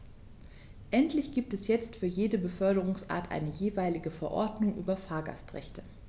Endlich gibt es jetzt für jede Beförderungsart eine jeweilige Verordnung über Fahrgastrechte.